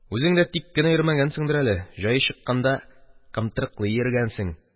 Үзең дә тик кенә йөрмәгәнсеңдер әле, җае чыкканда кымтырыклый йөргәнсең.